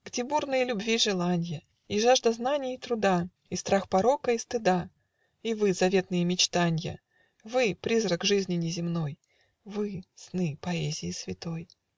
Где бурные любви желанья, И жажда знаний и труда, И страх порока и стыда, И вы, заветные мечтанья, Вы, призрак жизни неземной, Вы, сны поэзии святой!